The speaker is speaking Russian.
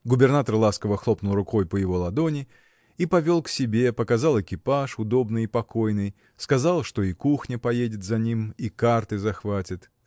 Губернатор ласково хлопнул рукой по его ладони и повел к себе, показал экипаж, удобный и покойный, сказал, что и кухня поедет за ним и карты захватит.